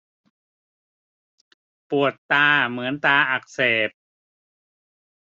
ปวดตาเหมือนตาอักเสบ